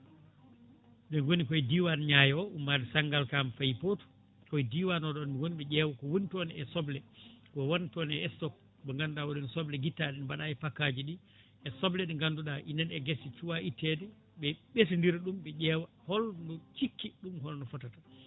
mais woni koye diwan Niay o ummade Sangalkam fayi Fouta koye diwan oɗon woni ɓe ƴeewa ko woni toon e soble ko woni toon e stoque mo ganduɗa won hen e soble guittaɗe ne mbaɗa e fakkaji ɗi e soble ɗe ganduɗa ina e guese cuwa ittede ɓe ɓetodira ɗum ɓe ƴeewa holno cikki ɗum holno fotata